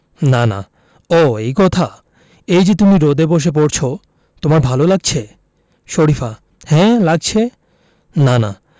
নানা ও এই কথা এই যে তুমি রোদে বসে পড়ছ তোমার ভালো লাগছে শরিফা হ্যাঁ লাগছে নানা